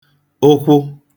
ụkwụ